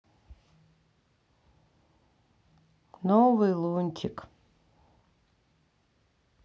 новый лунтик